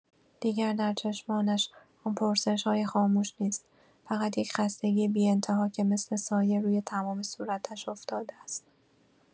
دیگر در چشمانش آن پرسش‌های خاموش نیست، فقط یک خستگی بی‌انتها که مثل سایه روی تمام صورتش افتاده است.